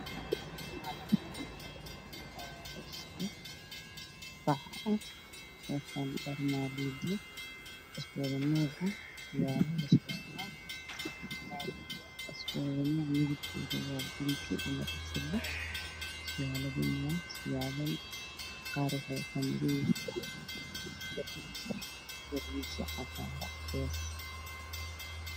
Meeshan waxaa taagan wiilal fara badan oo wata anado isku nooc